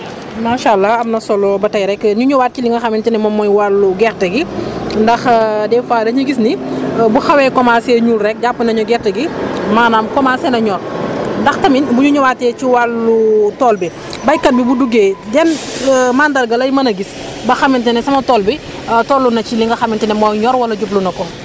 macha allah am na solo ba tey rek ñu ñëwaat ci li nga xamùante ne moom mooy wàllu gerte gi ndax des fois dañuy gis ni bu xawee commencé ñuul rek jàpp nañu gerte gi maanaam commencé na ñor ndax tamit bu ñu ñëwaatee ci wàllu tool bi béykat bi bu duggee yan mandarga lay mën a gis ba xamante ne sama tool bi toll nañ ci li nga xamante ne mooy ñor wala jublu na ko